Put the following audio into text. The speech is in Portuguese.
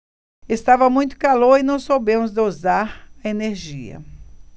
estava muito calor e não soubemos dosar a energia